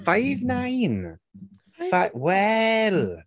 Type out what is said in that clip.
Five nine! Fi- well...